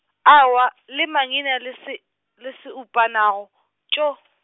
aowa le mangina le se, le se -upanago, tšo .